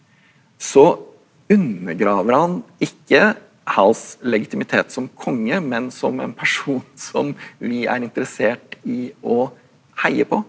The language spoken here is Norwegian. så undergraver han ikke Hals legitimitet som konge men som en person som vi er interessert i å heie på.